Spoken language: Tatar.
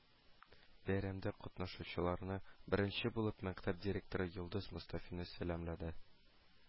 Бәйрәмдә катнашучыларны беренче булып мәктәп директоры Йолдыз Мостафина сәламләде